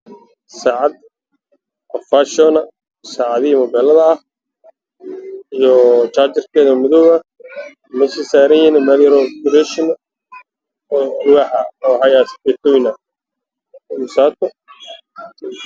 Meeshan waxa ay ayaa loo saacad iyo xarig jajar